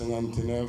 Santɛ